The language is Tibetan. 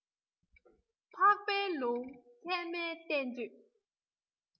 འཕགས པའི ལུང ཚད མའི བསྟན བཅོས